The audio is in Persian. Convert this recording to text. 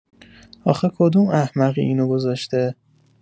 آخه کدوم احمقی اینو گذاشته؟